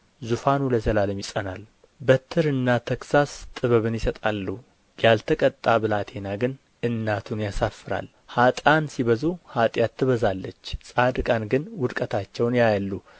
ዙፋኑ ለዘላለም ይጸናል በትርና ተግሣጽ ጥበብን ይሰጣሉ ያልተቀጣ ብላቴና ግን እናቱን ያሳፍራል ኀጥኣን ሲበዙ ኃጢአት ትበዛለች ጻድቃን ግን ውደቀታቸውን ያያሉ